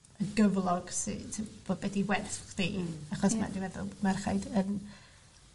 gyflog sy t- bo- be' 'di werth fi achos ma' dwi meddwl merchaid yn